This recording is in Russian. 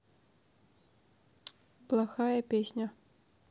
плохая песня